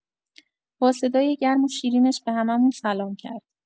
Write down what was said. با صدای گرم و شیرینش به همه‌مون سلام کرد.